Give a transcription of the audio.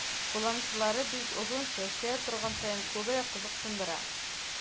Кулланучыларны бик озын чәчләр торган саен күбрәк кызыксындыра.